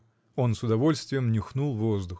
— Он с удовольствием нюхнул воздух.